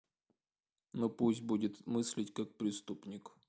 ну пусть будет мыслить как преступник